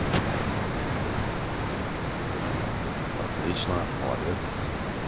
отлично молодец